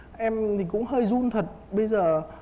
em thì cũng hơi run thật bây giờ